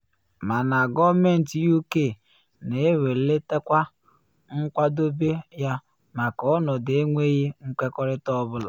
Mana Gọọmentị UK na ewelitekwa nkwadobe ya maka ọnọdụ enweghị nkwekọrịta ọ bụla.